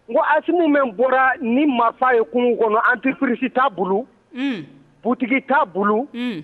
Bon ali bɛ bɔra ni maa ye kunun kɔnɔ an tiprisi t'a bolo butigi t'a bolo